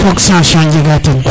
fok sanction jega ten